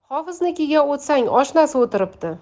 hofiznikiga o'tsang oshnasi o'tiribdi